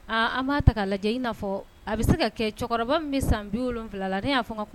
An b'a ta'a lajɛ ina fɔ a bɛ se ka kɛ cɛkɔrɔba min bɛ san biwula la ne y'a ka